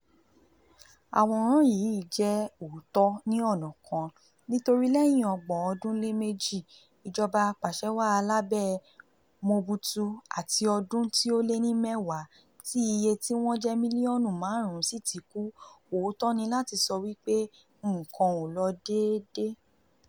Àwòrán yìí jẹ́ òótọ́ ní ọ̀nà kan nítorí lẹ́yìn ọgbọ̀n ọdún lé méjì ìjọba apàṣẹ wàá lábẹ́ Mobutu àti ọdún tí ó lé ní mẹ́wàá tí iye tí wọ́n jẹ́ mílíọ̀nù márùn-ún sí tí kú, òótọ́ ni láti sọ wí pé nǹkan ò lọ déédé.